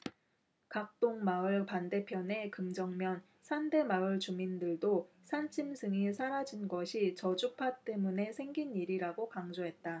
각동마을 반대편의 금정면 산대마을 주민들도 산짐승이 사라진 것이 저주파 때문에 생긴 일이라고 강조했다